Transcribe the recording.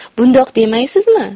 bundoq demaysizmi